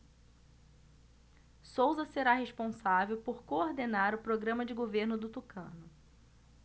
souza será responsável por coordenar o programa de governo do tucano